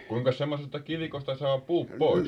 kuinkas semmoisesta kivikosta saa puut pois